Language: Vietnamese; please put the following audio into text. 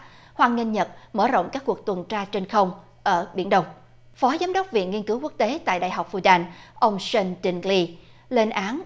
hoan nghênh nhật mở rộng các cuộc tuần tra trên không ở biển đông phó giám đốc viện nghiên cứu quốc tế tại đại học phu đan ông sân đân li lên án